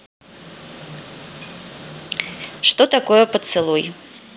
что такое поцелуй